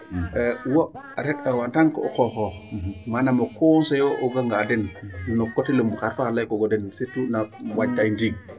Wo a reend a en tant que o xooxoox manaam o conseiller o ganga den no coté lum xar fo xar laykoogo den surtout no waagtaay ndiig .